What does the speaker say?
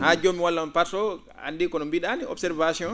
haa jooni mi walla on par ce anndii ko no mbii?aa nii observation